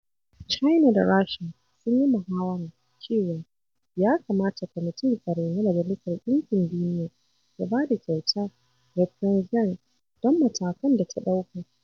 China da Rasha sun yi mahawara cewa ya kamata Kwamitin Tsaro na Majalisar Ɗinkin Duniya ya ba da kyauta ga Pyongyang don matakan da ta ɗauka.